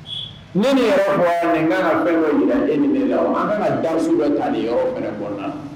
Ne yɛrɛ n ka ka fɛnko jiralen nin la ka da dɔ taa yɔrɔ bɛ bɔ la